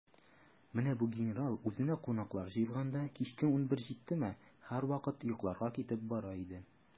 Менә бу генерал, үзенә кунаклар җыелганда, кичке унбер җиттеме, һәрвакыт йокларга китеп бара иде.